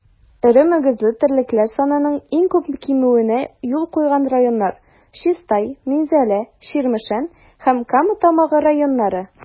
Эре мөгезле терлекләр санының иң күп кимүенә юл куйган районнар - Чистай, Минзәлә, Чирмешән һәм Кама Тамагы районнары.